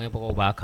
Baga b'a kan